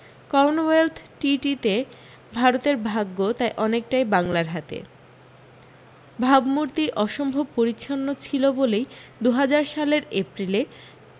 Commonwealth টিটিতে ভারতের ভাগ্য তাই অনেকটাই বাংলার হাতে ভাবমূর্তি অসম্ভব পরিচ্ছন্ন ছিল বলেই দু হাজার সালের এপ্রিলে